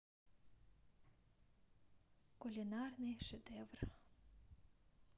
кулинарный шедевр